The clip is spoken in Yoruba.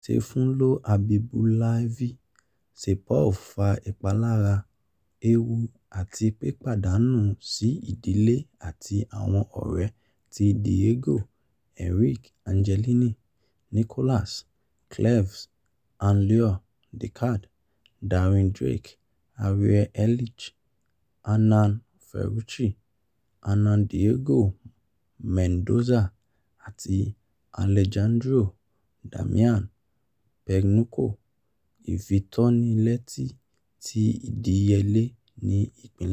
"Sayfullo Habibullaevic Saipov fa ìpalára, ewu, àti pípàdánù sí ìdílé àti àwọn ọ̀rẹ́ tí Diego Enrique Angelini, Nicholas Cleves, Ann-Laure Decadt, Darren Drake, Ariel Erlij, Hernan Ferruchi, Hernan Diego Mendoza, àti Alejandro Damian Pagnucco, "Ìfitónilétí ti ìdíyelé ní Ìpínlẹ̀